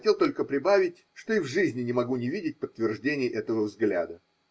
Хотел только прибавить, что и в жизни не могу не видеть подтверждений этого взгляда.